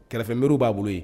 Kɛrɛfɛbriw b'a bolo yen